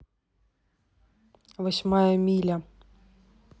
восьмая миля